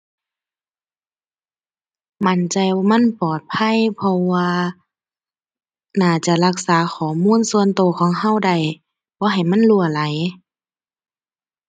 มั่นใจว่ามันปลอดภัยเพราะว่าน่าจะรักษาข้อมูลส่วนตัวของตัวได้ บ่ให้มันรั่วไหล